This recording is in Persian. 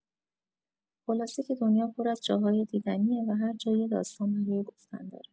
خلاصه که دنیا پر از جاهای دیدنیه و هر جا یه داستان برای گفتن داره.